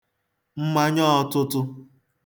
mmanya ọ̄tụ̄tụ̄